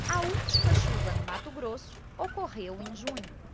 a última chuva no mato grosso ocorreu em junho